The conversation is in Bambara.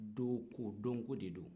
dooko dɔnko de don